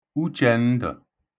Uchẹ̀ndə̣̀